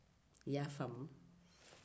i y'a faamu